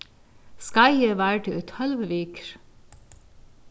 skeiðið vardi í tólv vikur